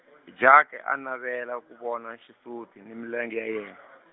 Jake a navela ku vona xisuti ni milenge ya ye-.